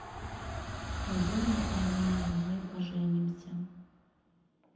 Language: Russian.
пойдем на программу давай поженимся